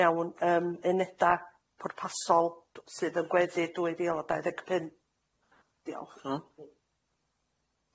mewn yym uneda pwrpasol sydd yn gweddu dwy fil a dau ddeg pum. Diolch. Diolch.